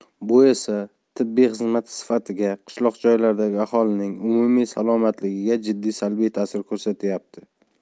bu esa tibbiy xizmat sifatiga qishloq joylardagi aholining umumiy salomatligiga jiddiy salbiy ta'sir ko'rsatyapti